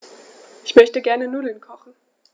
Ich möchte gerne Nudeln kochen.